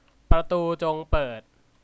ประตูจงเปิด